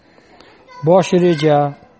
bosh reja